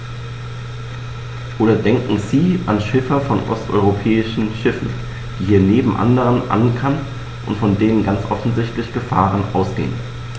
Oder denken Sie an Schiffer von osteuropäischen Schiffen, die hier neben anderen ankern und von denen ganz offensichtlich Gefahren ausgehen.